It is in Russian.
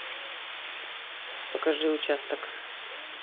покажи участок